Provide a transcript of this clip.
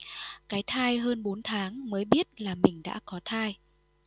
cái thai hơn bốn tháng mới biết là mình đã có thai